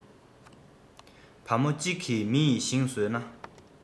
བ མོ གཅིག གིས མི ཡི ཞིང ཟོས ན